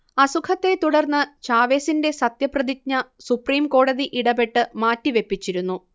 അസുഖത്തെ തുടർന്ന് ചാവെസിന്റെ സത്യപ്രതിജ്ഞ സുപ്രീം കോടതി ഇടപെട്ട് മാറ്റിവെപ്പിച്ചിരുന്നു